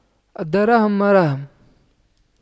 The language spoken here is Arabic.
الدراهم مراهم